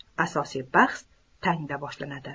asosiy bahs tangda boshlanadi